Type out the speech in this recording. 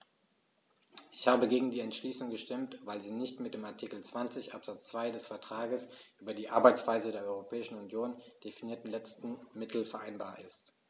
Ich habe gegen die Entschließung gestimmt, weil sie nicht mit dem in Artikel 20 Absatz 2 des Vertrags über die Arbeitsweise der Europäischen Union definierten letzten Mittel vereinbar ist.